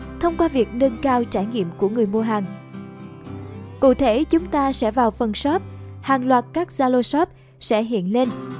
thông qua việc nâng cao trải nghiệm người mua hàng cụ thể chúng ta sẽ vào phần shop hàng loạt các zalo shop sẽ hiện lên